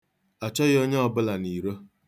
Anyị achọghị onye ọbụla n'iro.